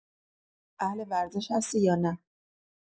اهل ورزش هستی یا نه؟